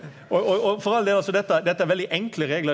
og og og for all del altså dette dette er veldig enkle reglar.